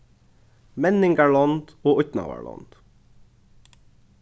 menningarlond og ídnaðarlond